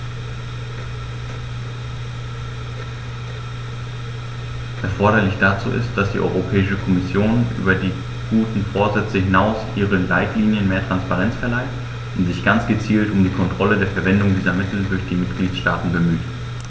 Erforderlich dazu ist, dass die Europäische Kommission über die guten Vorsätze hinaus ihren Leitlinien mehr Transparenz verleiht und sich ganz gezielt um die Kontrolle der Verwendung dieser Mittel durch die Mitgliedstaaten bemüht.